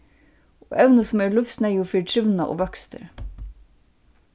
og evni sum eru lívsneyðug fyri trivnað og vøkstur